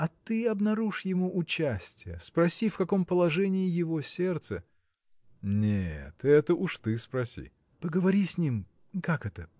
– А ты обнаружь ему участие, спроси, в каком положении его сердце. – Нет, это уж ты спроси. – Поговори с ним. как это?.